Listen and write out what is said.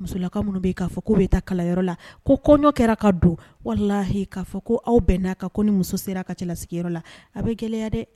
Musolakaw minnu bɛ'a fɔ ko' bɛ taa kalayɔrɔ la ko ko ɲɔ kɛra ka don walima'a ko aw bɛn n'a kan ko ni muso sera ka cɛla sigiyɔrɔ la a bɛ gɛlɛya dɛ